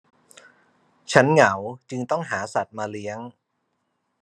ฉันเหงาจึงต้องหาสัตว์มาเลี้ยง